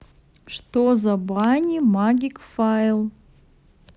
что за бани magic five